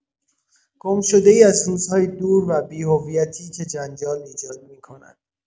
گمشده‌ای از روزهای دور و بی‌هویتی که جنجال ایجاد می‌کند.